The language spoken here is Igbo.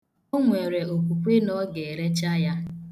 O nwere okwukwe na ọ ga-erecha ya.